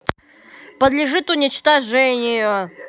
подлежит уничтожению